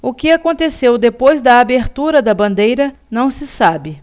o que aconteceu depois da abertura da bandeira não se sabe